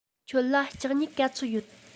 ཁྱོད ལ ལྕགས སྨྱུག ག ཚོད ཡོད